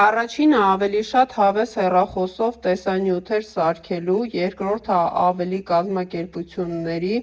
Առաջինը՝ ավելի շատ հավես հեռախոսով տեսանյութեր սարքելու, երկրորդը՝ ավելի կազմակերպությունների